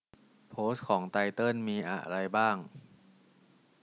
โพสต์ของไตเติ้ลมีอะไรบ้าง